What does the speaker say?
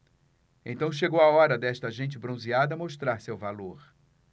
então chegou a hora desta gente bronzeada mostrar seu valor